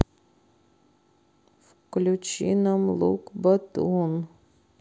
включи нам лук батун